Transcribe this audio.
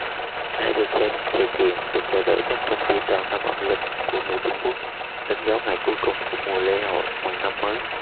đây được xem sự kiện được chờ đợi nhất trong dịp đầu năm âm lịch của người trung quốc đánh dấu ngày cuối cùng của mùa lễ hội mừng năm mới